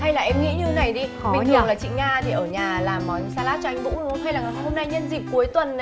hay là em nghĩ như này đi bình thường chị nga chị ở nhà làm món xa lát cho anh vũ đúng không hay là nhân dịp hôm nay cuối tuần